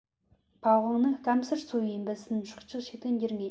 ཕ ཝང ནི སྐམ སར འཚོ བའི འབུ ཟན སྲོག ཆགས ཤིག ཏུ འགྱུར ངེས